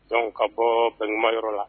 Dɔnku ka bɔ balimauma yɔrɔ la